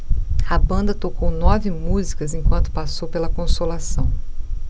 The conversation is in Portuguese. a banda tocou nove músicas enquanto passou pela consolação